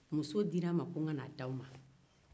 muso dira n ma ko n ka n'a di aw ma